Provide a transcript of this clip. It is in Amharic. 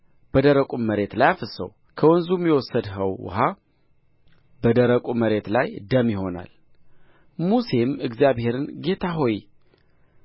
በደረቁም መሬት ላይ አፍስሰው ከወንዙም የወሰድኸው ውኃ በደረቁ መሬት ላይ ደም ይሆናል ሙሴም እግዚአብሔርን ጌታ ሆይ